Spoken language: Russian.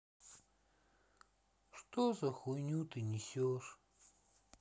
что за хуйню ты несешь